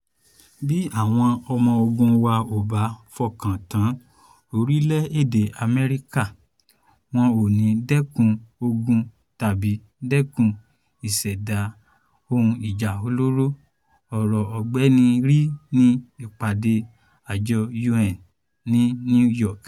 ”Bí àwọn ọmọ-ogun wa ‘ò bá fọkàntán orílẹ̀-èdè Amẹ́ríkà, wọn ‘ò ní dẹkun ogun tàbí dẹ́kun ìṣẹ̀dá ohun ìjà olóró,” ọ̀rọ̀ Ọ̀gbẹ́ni Ri ní ìpàdé Àjọ UN ní New York.